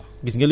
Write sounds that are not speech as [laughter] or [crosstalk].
[hesitation] [hesitation]